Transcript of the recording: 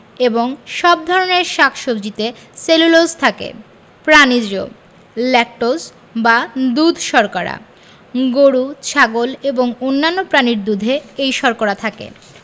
এবং সব ধরনের শাক সবজিতে সেলুলোজ থাকে প্রানিজ উৎস ল্যাকটোজ বা দুধ শর্করা গরু ছাগল এবং অন্যান্য প্রাণীর দুধে এই শর্করা থাকে